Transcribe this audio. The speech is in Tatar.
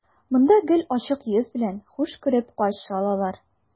Монда гел ачык йөз белән, хуш күреп каршы алалар.